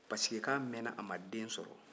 bawo k'a mɛnna a ma den sɔrɔ